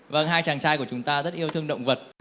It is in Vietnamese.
vầng hai chàng trai của chúng ta rất yêu thương động vật